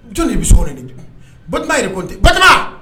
Jɔn de bɛ so kɔnɔ yen ten, Batɔma yɛrɛ kɔnni tɛ, Batɔma